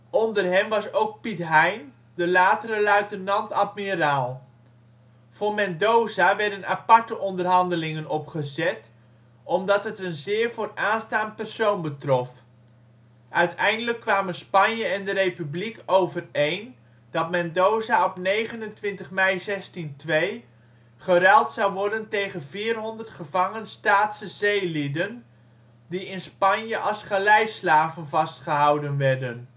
Onder hen was ook Piet Hein, de latere luitenant-admiraal. Voor Mendoza werden aparte onderhandelingen opgezet, omdat het een zeer vooraanstaand persoon betrof. Uiteindelijk kwamen Spanje en de Republiek overeen dat Mendoza op 29 mei 1602 geruild zou worden tegen 400 gevangen Staatse zeelieden die in Spanje als galeislaven vastgehouden werden